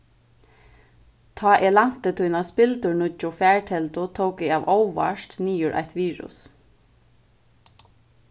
tá eg lænti tína spildurnýggju farteldu tók eg av óvart niður eitt virus